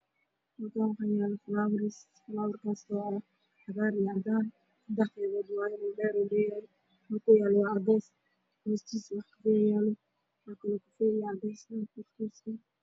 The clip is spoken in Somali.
Waa qol midabkiisa cadaan darbiga waxaa ku dhagan wax cadaar ah